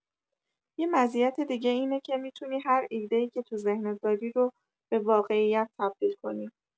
یه مزیت دیگه اینه که می‌تونی هر ایده‌ای که تو ذهنت داری رو به واقعیت تبدیل کنی.